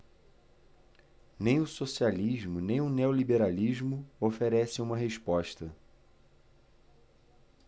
nem o socialismo nem o neoliberalismo oferecem uma resposta